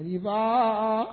Nba